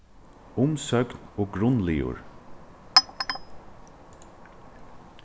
umsøgn og grundliður